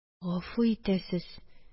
Гафу итәсез